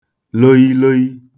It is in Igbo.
loiloi